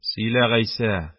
Сөйлә, Гайса!